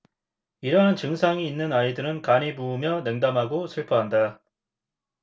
이러한 증상이 있는 아이들은 간이 부으며 냉담하고 슬퍼한다